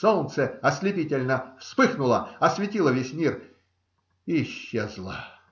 Солнце ослепительно вспыхнуло, осветило весь мир и исчезло. .